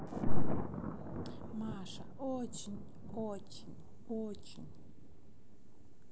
маша очень очень очень